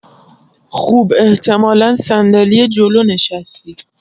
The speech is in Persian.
خوب احتمالا صندلی جلو نشستی